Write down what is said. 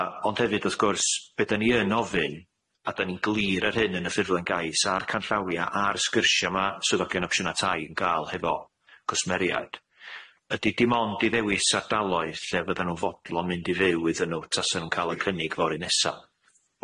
A ond hefyd wrth gwrs be' 'dan ni yn ofyn a 'dan ni'n glir ar hyn yn y ffurflen gais a'r canllawia a'r sgyrsha 'ma swyddogion opsiyna tai yn ga'l hefo cwsmeriaid ydi dim ond i ddewis ardaloedd lle fyddan nw'n fodlon mynd i fyw iddyn nw tasa nw'n ca'l y cynnig fory nesa.